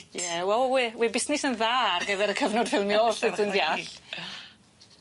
Ie wel we- we- wedd busnes yn dda ar gyfer y cyfnod ffilmio os wyt ti ddeall!